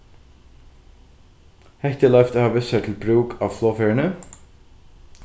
hetta er loyvt at hava við sær til brúk á flogferðini